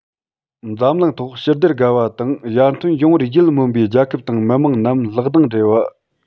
འཛམ གླིང ཐོག ཞི བདེར དགའ བ དང ཡར ཐོན ཡོང བར ཡིད སྨོན པའི རྒྱལ ཁབ དང མི དམངས རྣམས ལག གདང སྦྲེལ བ